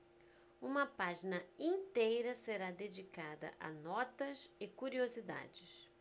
uma página inteira será dedicada a notas e curiosidades